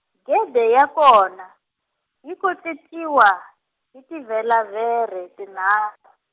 gede ya kona, yi kotletiwa, hi tivLeravhere, tinha- .